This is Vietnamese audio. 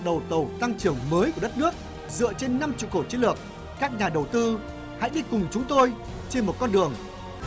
đầu tàu tăng trưởng mới của đất nước dựa trên năm trụ cột chiến lược các nhà đầu tư hãy đi cùng chúng tôi trên một con đường